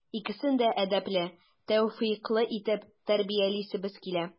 Икесен дә әдәпле, тәүфыйклы итеп тәрбиялисебез килә.